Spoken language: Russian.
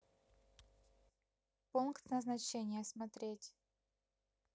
пункт назначения смотреть